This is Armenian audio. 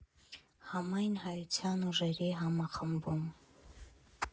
Համայն հայության ուժերի համախմբում։